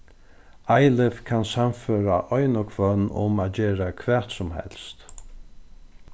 eilif kann sannføra ein og hvønn um at gera hvat sum helst